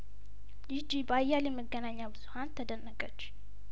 ጂጂ በአያሌ መገናኛ ብዙሀን ተደነቀች